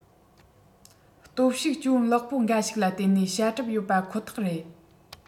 སྟོབས ཤུགས ཅུང ལེགས པོ འགའ ཞིག ལ བརྟེན ནས བྱ གྲབས ཡོད པ ཁོ ཐག རེད